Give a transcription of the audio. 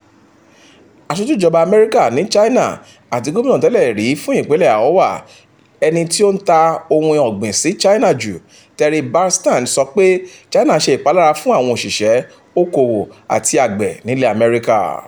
Aṣojú ìjọba U.S. ni China àti Gómìnà tẹ́lẹ̀ rí fún ìpínlẹ̀ Iowa, ẹni tí ó ń ta ohun ògbìn sí China jù, Terry Branstad sọ pé China ṣe ìpalára fún àwọn òṣìṣẹ́, okoòwò àti àgbẹ̀ nílẹ̀ Amẹ́ríkà.